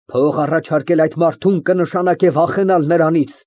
Փող առաջարկել այդ մարդուն, կնշանակե վախենալ նրանից։